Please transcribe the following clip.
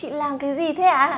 chị làm cái gì thế ạ